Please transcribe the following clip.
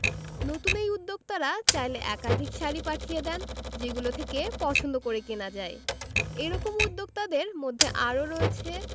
নতুন এই উদ্যোক্তারা চাইলে একাধিক শাড়ি পাঠিয়ে দেন যেগুলো থেকে পছন্দ করে কেনা যায় এ রকম উদ্যোক্তাদের মধ্যে আরও রয়েছে